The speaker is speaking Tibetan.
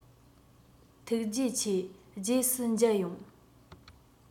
ཐུགས རྗེ ཆེ རྗེས སུ མཇལ ཡོང